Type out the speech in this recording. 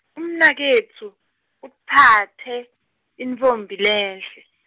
umnaketfu, utsatse, intfombi lenhle.